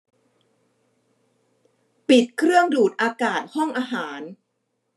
ปิดเครื่องดูดอากาศห้องอาหาร